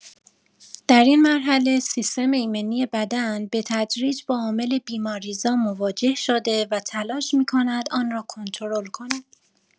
در این مرحله سیستم ایمنی بدن به‌تدریج با عامل بیماری‌زا مواجه شده و تلاش می‌کند آن را کنترل کند.